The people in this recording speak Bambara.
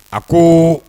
A ko